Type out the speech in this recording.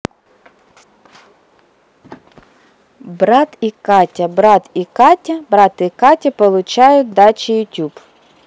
брат и катя брат и катя брат и катя получают дачи youtube